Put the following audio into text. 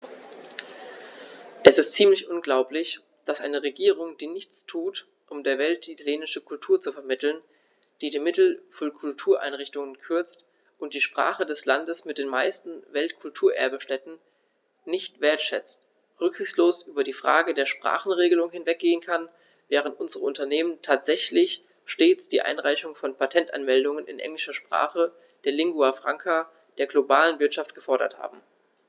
Es ist ziemlich unglaublich, dass eine Regierung, die nichts tut, um der Welt die italienische Kultur zu vermitteln, die die Mittel für Kultureinrichtungen kürzt und die Sprache des Landes mit den meisten Weltkulturerbe-Stätten nicht wertschätzt, rücksichtslos über die Frage der Sprachenregelung hinweggehen kann, während unsere Unternehmen tatsächlich stets die Einreichung von Patentanmeldungen in englischer Sprache, der Lingua Franca der globalen Wirtschaft, gefordert haben.